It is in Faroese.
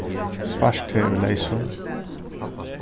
svart te í leysum